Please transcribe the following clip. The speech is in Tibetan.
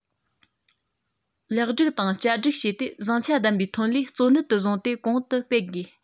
ལེགས སྒྲིག དང བསྐྱར སྒྲིག བྱས ཏེ བཟང ཆ ལྡན པའི ཐོན ལས གཙོ གནད དུ བཟུང སྟེ གོང དུ སྤེལ དགོས